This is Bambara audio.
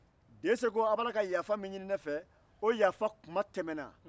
a ko ko a b'a la ka yaafa min ɲini ne fɛ o yaafa tuma tɛmɛna